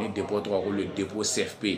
Ni debɔ tɔgɔkolo ye debo sɛfe yen ye